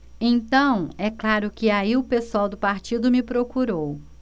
então é claro que aí o pessoal do partido me procurou